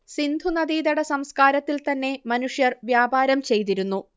സിന്ധു നദീതടസംസ്കാരത്തിൽ തന്നെ മനുഷ്യർ വ്യാപാരം ചെയ്തിരുന്നു